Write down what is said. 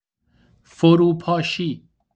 فروپاشی.